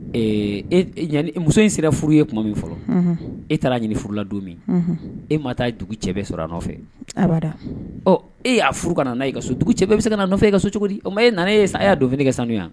Muso in sera furu ye tuma min fɔlɔ e taara ɲini furula don min e m' taa ye dugu cɛbɛ sɔrɔ a nɔfɛ a e'a furu kana' bɛ se ka nɔfɛ e ka so cogo di o ma e nan e ye a y'a donf kɛ ka sanu yan